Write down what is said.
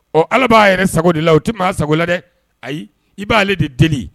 Ɔ ala b'a yɛrɛ sago de la o tɛ ma sago la dɛ ayi i b' ale de deli